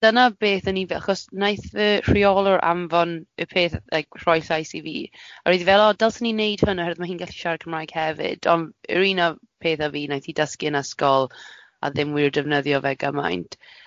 Dyna beth o'n i fel achos wnaeth yy rheolwr anfon y peth like rhoi llais i fi, a o'n i fel o dylsen i wneud hwn oherwydd mae hi'n gallu siarad Cymraeg hefyd, ond yr un o petha fi wnaeth hi dysgu yn ysgol a ddim wir defnyddio fe gymaint.